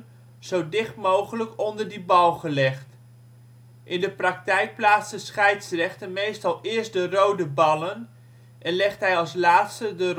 mogelijk onder die bal gelegd. In de praktijk plaatst de scheidsrechter meestal eerst de rode ballen en legt hij als laatste de